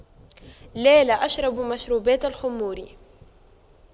لا لا أشرب مشروبات الخمور